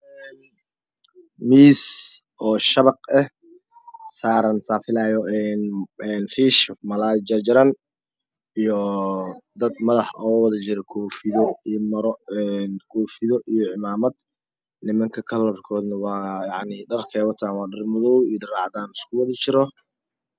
Miis oo shabaq ah saaran saa filayo fish malaay ah malaay jarjaran oo dad madaxa ooga wada jiro koofiyo iyo maro koofido iyo cimaamad nimanka kalarkoodana waa yacni dharkey wataan waa dhar madow ah iyo dhar cadaan iskugu wada jiro